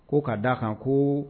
Ko ka da kan ko